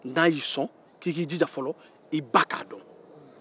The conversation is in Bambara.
n'a y'i sɔn k'i k'i jija i ba k'a dɔn